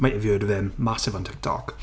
Might have heard of him. Massive on TikTok.